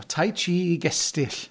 O tai chi i gestyll.